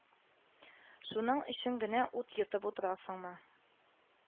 Шуның өчен генә ут йотып утырасыңмы